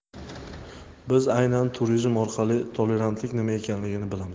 biz aynan turizm orqali tolerantlik nima ekanini bilamiz